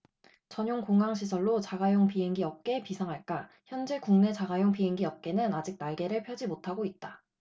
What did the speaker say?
전용 공항 시설로 자가용 비행기 업계 비상할까현재 국내 자가용 비행기 업계는 아직 날개를 펴지 못하고 있다